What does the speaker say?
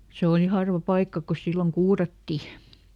se oli harva paikka kun silloin kuurattiin